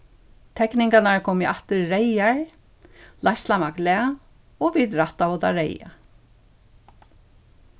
tekningarnar komu aftur reyðar leiðslan var glað og vit rættaðu tað reyða